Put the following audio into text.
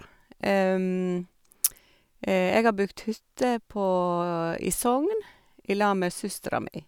Jeg har bygget hytte på i Sogn i lag med søstera mi.